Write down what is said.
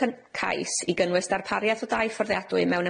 cyn- cais i gynnwys darpariaeth o dai fforddiadwy mewn